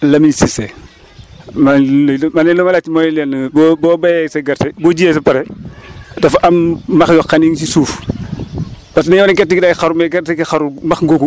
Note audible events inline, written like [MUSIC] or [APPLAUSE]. Lamine Cissé man [HESITATION] man de li may laajte mooy lenn boo boo béyee sa gerteboo jiyee ba pare [NOISE] dafa am max yoo xam ne ñu ngi si suuf [NOISE] parce que nee naa leen gerte gi day xaru mais gerte gi xaru max googu